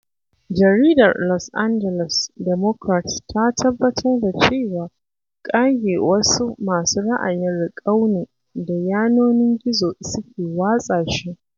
Jaridar Los Angeles Democrat ta tabbatar da cewa ƙage wasu "masu ra'ayin riƙau" ne da yanonin gizo suke watsa shi.